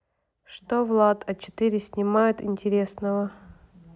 что влад а четыре снимает интересного